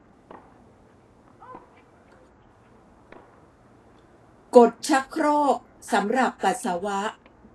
กดชักโครกสำหรับปัสสาวะ